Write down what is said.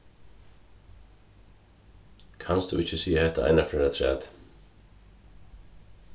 kanst tú ikki siga hatta eina ferð afturat